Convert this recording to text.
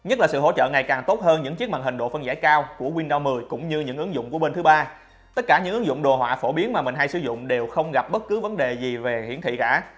nhất là sự hỗ trợ ngày càng tốt hơn những chiếc màn hình độ phân giải cao của windows cũng như những ứng dụng của bên thứ tất cả những ứng dụng đồ họa phổ biến mà mình hay sử dụng đều không gặp bất cứ vấn đề gì về hiển thị cả